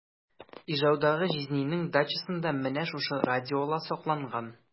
Ижаудагы җизнинең дачасында менә шушы радиола сакланган.